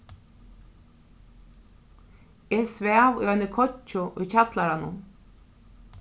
eg svav í eini koyggju í kjallaranum